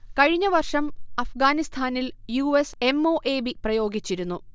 കഴിഞ്ഞ വർഷം അഫ്ഗാനിസ്ഥാനിൽ U. S. M. O. A. B. പ്രയോഗിച്ചിരുന്നു